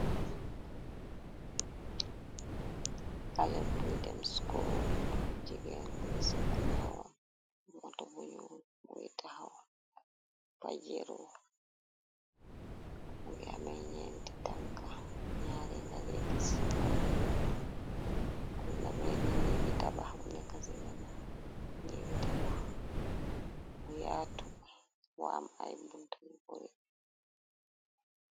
Xale buy dem schol jigeen mwisika naawam mota bunu mwitaxa pajeru nge amenyenti tanka nare ngaje gisiporu bi onamene negi tabax bu nekasigena negi tabax bu yaatu bu am ay buntabu yu barri.